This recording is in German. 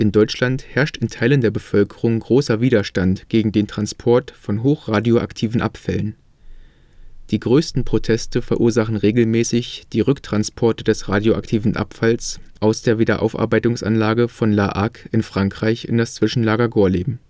Deutschland herrscht in Teilen der Bevölkerung großer Widerstand gegen den Transport von hochradioaktiven Abfällen. Die größten Proteste verursachen regelmäßig die Rücktransporte des radioaktiven Abfalls aus der Wiederaufarbeitungsanlage von La Hague in Frankreich in das Zwischenlager Gorleben